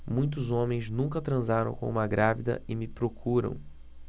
muitos homens nunca transaram com uma grávida e me procuram